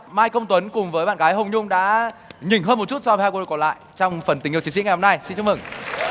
mai công tuấn cùng với bạn gái hồng nhung đã nhỉnh hơn một chút so với hai cặp đôi còn lại trong phần tình yêu chiến sĩ ngày hôm nay xin chúc mừng